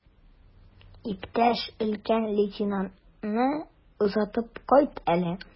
Иптәш өлкән лейтенантны озатып кайт әле.